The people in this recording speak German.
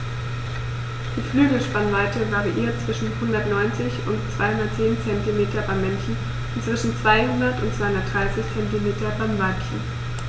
Die Flügelspannweite variiert zwischen 190 und 210 cm beim Männchen und zwischen 200 und 230 cm beim Weibchen.